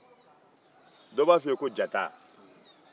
do b'a fɔ i ye ko jata